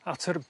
at yr